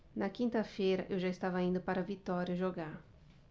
na quinta-feira eu já estava indo para vitória jogar